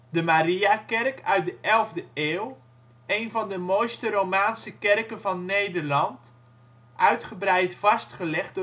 De Mariakerk uit de elfde eeuw, een van de mooiste romaanse kerken van Nederland, uitgebreid vastgelegd